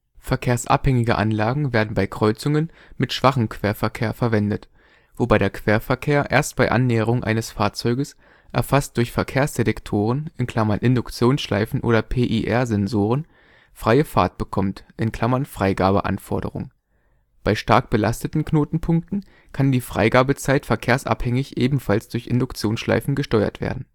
Verkehrsabhängige Anlagen werden bei Kreuzungen mit schwachem Querverkehr verwendet, wobei der Querverkehr erst bei Annäherung eines Fahrzeuges, erfasst durch Verkehrsdetektoren (Induktionsschleifen oder PIR-Sensoren), freie Fahrt bekommt (Freigabeanforderung). Bei stark belasteten Knotenpunkten kann die Freigabezeit verkehrsabhängig ebenfalls durch Induktionsschleifen gesteuert werden